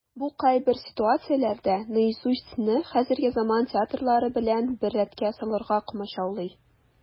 Бу кайбер ситуацияләрдә "Наизусть"ны хәзерге заман театрылары белән бер рәткә салырга комачаулый.